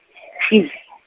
Tivi.